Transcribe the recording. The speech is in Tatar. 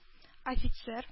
Офицер